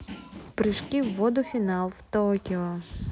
прыжки в воду финал в токио